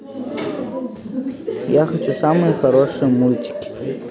я хочу самые хорошие мультики